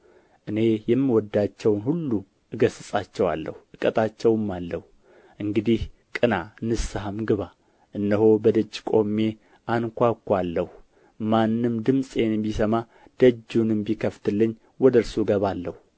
እኔ የምወዳቸውን ሁሉ እገሥጻቸዋለሁ እቀጣቸውማለሁ እንግዲህ ቅና ንስሐም ግባ እነሆ በደጅ ቆሜ አንኳኳለሁ ማንም ድምፄን ቢሰማ ደጁንም ቢከፍትልኝ ወደ እርሱ እገባለሁ